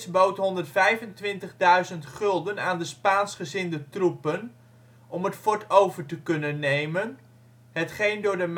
bood 125.000 gulden aan de Spaansgezinde troepen om het fort over te kunnen nemen, hetgeen door de